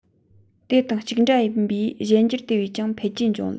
དེ དང གཅིག འདྲ ཡིན པའི གཞན འགྱུར དེ བས ཀྱང འཕེལ རྒྱས འབྱུང ལ